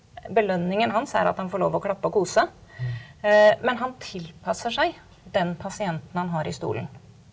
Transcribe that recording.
belønningen hans er at han får lov å klappe og kose, men han tilpasser seg den pasienten han har i stolen.